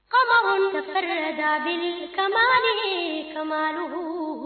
Kabakuntigɛ da ka kumadugu